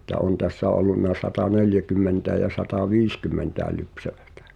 niin että on tässä ollut sataneljäkymmentä ja sataviisikymmentä lypsävää